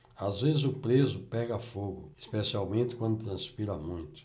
às vezes o preso pega fogo especialmente quando transpira muito